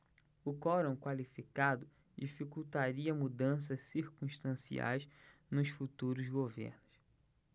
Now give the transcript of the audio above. o quorum qualificado dificultaria mudanças circunstanciais nos futuros governos